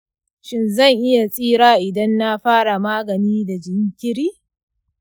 shin zan iya tsira idan na fara magani da jinkiri?